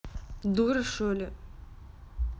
дура шоли